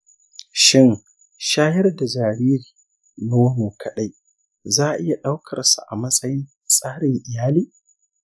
shin shayar da jariri nono kaɗai za'a iya ɗaukarsa a matsayin tsarin iyali?